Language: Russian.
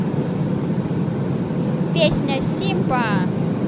песня симпа